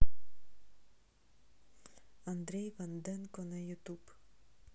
андрей ванденко на ютуб